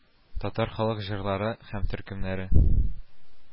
Татар халык җырлары, һәм төркемнәре